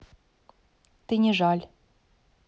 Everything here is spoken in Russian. ты не жаль